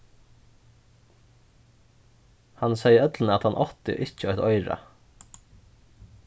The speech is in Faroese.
hann segði øllum at hann átti ikki eitt oyra